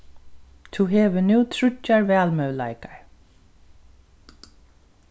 tú hevur nú tríggjar valmøguleikar